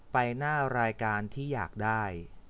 ไปหน้ารายการที่อยากได้